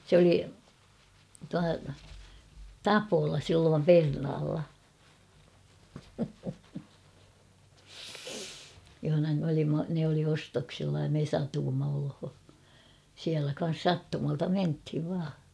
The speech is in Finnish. se oli tuo Tapola silloin Pernaalla jossa me olimme ne oli ostoksilla ja me satuimme olemaan siellä kanssa sattumalta mentiin vain